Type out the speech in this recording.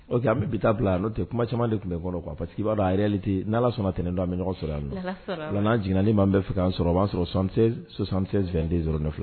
O que an bɛ bi taa bila n'o tɛ kuma caman de tun bɛ kɔrɔ kuwa pa parce que b'a'a yɛrɛte n' sɔnna ntɛnɛntɔn bɛ ɲɔgɔn sɔrɔ yan' jnaani'an bɛ fɛ ka sɔrɔ o b'a sɔrɔ san2den sɔrɔ ne nɔfɛ